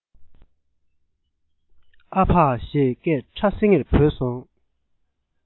ཨ ཕ ཞེས སྐད ཕྲ སིང ངེར བོས སོང